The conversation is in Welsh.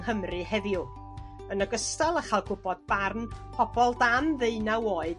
Nghymru heddiw yn ogystal â chael gw'bod barn pobol dan ddeunaw oed